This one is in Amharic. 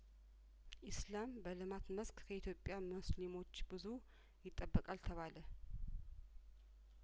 ኢስላም በልማት መስክ ከኢትዮጵያ መስሊሞች ብዙ ይጠበቃል ተባለ